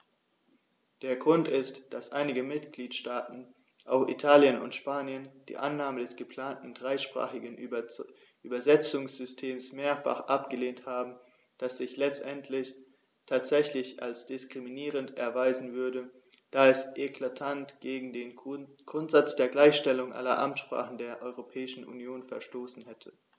Der Grund ist, dass einige Mitgliedstaaten - auch Italien und Spanien - die Annahme des geplanten dreisprachigen Übersetzungssystems mehrfach abgelehnt haben, das sich letztendlich tatsächlich als diskriminierend erweisen würde, da es eklatant gegen den Grundsatz der Gleichstellung aller Amtssprachen der Europäischen Union verstoßen hätte.